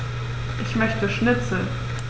Ich möchte Schnitzel.